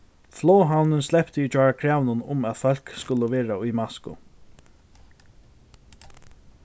floghavnin slepti í gjár kravinum um at fólk skulu vera í masku